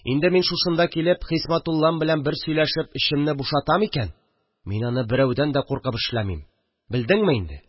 Инде мин тушында килеп Хисмәтуллам белән бер сөйләшеп эчемне бушатам икән, мин аны берәүдән дә куркып эшләмим, белдеңме инде